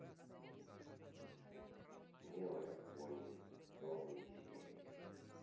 милая пони новые серии